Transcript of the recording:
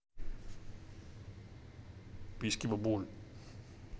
письки бабабуль